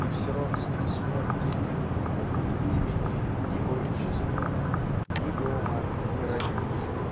и в сиротстве смерти нет у него ни имени ни отчества ни дома ни родни